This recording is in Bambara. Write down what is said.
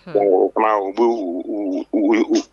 Mɔgɔw kuma b' u wu u